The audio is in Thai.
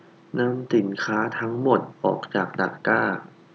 นำสินค้าทั้งหมดออกจากตะกร้า